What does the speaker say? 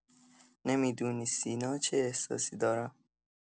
نمی‌دونی سینا چه احساسی دارم.